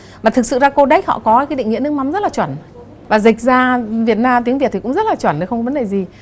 mà thực sự ra cô đếch họ có cái định nghĩa nước mắm rất là chuẩn và dịch ra việt nam tiếng việt thì cũng rất là chuẩn thôi không vấn đề gì